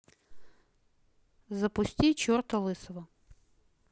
запусти черта лысого